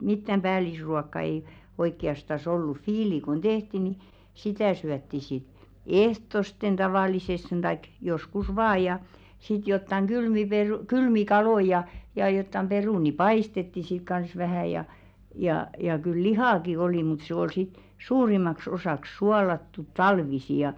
mitään päällisruokaa ei oikeastaan ollut viili kun tehtiin niin sitä syötiin sitten ehtoosti tavallisesti tai joskus vain ja sitten jotakin kylmiä - kylmiä kaloja ja ja jotakin perunoita paistettiin sitten kanssa vähän ja ja ja kyllä lihaakin oli mutta se oli sitten suurimmaksi osaksi suolattu talvisin ja